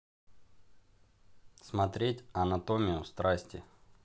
смотреть анатомию страсти